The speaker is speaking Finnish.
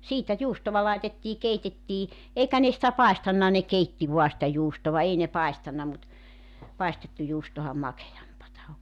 siitä juustoa laitettiin keitettiin eikä ne sitä paistanut ne keitti vain sitä juustoa ei ne paistanut mutta paistettu juustohan makeampaa on